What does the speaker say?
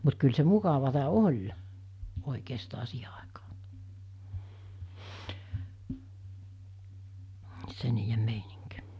mutta kyllä se mukavaa oli oikeastaan siihen aikaan se niiden meininki